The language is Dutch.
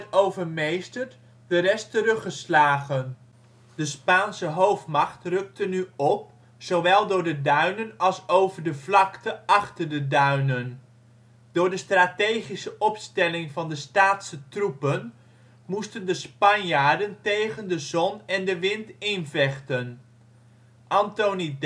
overmeesterd, de rest teruggeslagen. De Spaanse hoofdmacht rukte nu op, zowel door de duinen als over de vlakte achter de duinen. Door de strategische opstelling van de Staatse troepen moesten de Spanjaarden tegen de zon en de wind in vechten. Anthonie